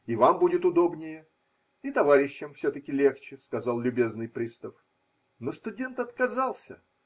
– И вам будет удобнее, и товарищам все-таки легче. – сказал любезный пристав. Но студент отказался.